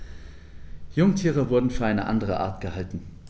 Jungtiere wurden für eine andere Art gehalten.